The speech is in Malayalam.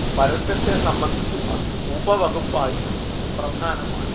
പരസ്യത്തെ സംബന്ധിക്കുന്ന ഉപവകുപ്പായിരുന്നു പ്രധാന മാറ്റം